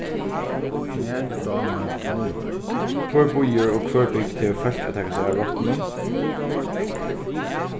hvør býur og hvør bygd hevur fólk at taka sær av rottunum